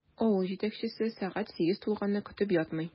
Авыл җитәкчесе сәгать сигез тулганны көтеп ятмый.